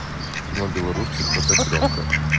тима белорусских фотопленка